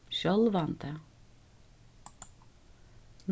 sjálvandi